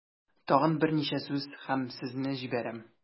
Тагын берничә сүз һәм сезне җибәрәм.